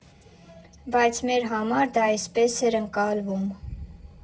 Բայց մեր համար դա էսպես էր ընկալվում.